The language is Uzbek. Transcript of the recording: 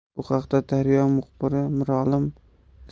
bu haqda daryo muxbiri